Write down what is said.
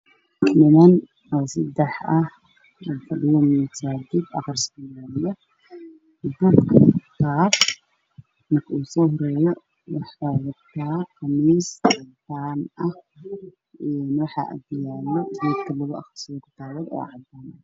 Waa niman oo seddex ah oo masaajid kitaab ku aqrisanaayo, ninka ugu soo horeeyo waxuu wataa qamiis cadaan ah, waxaa agyaalo geedka kitaabada lugu aqristo.